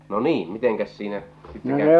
no niin mitenkäs siinä sitten kävi